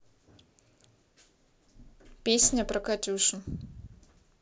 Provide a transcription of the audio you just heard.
песня про катюшу